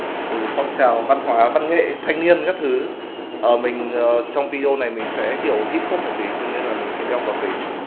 từ phong trào văn hóa văn nghệ thanh niên các thứ ờ mik ờ trong video này mình sẽ kiểu hi hop một tí cho nên mik sẽ đeo vào kính